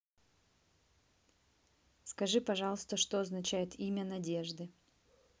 скажи пожалуйста что означает имя надежды